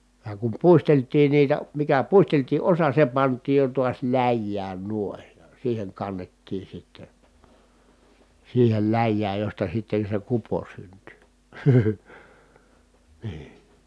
ja kun puisteltiin niitä mikä puisteltiin osa se pantiin jo taas läjään noin siihen kannettiin sitten siihen läjään josta sitten se kupo syntyi niin